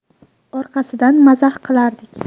orqasidan mazax qilardik